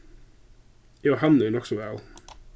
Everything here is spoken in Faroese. eg og hanna eru nokk so væl